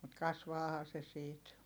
mutta kasvaahan se siitä